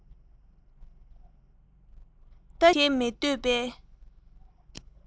ལྟ ཞིབ བྱེད མི འདོད པའི